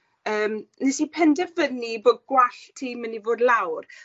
Yym nes i penderfynu bo' gwallt hi myn' i bod lawr.